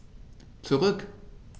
Zurück.